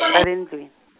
e le ndlwini.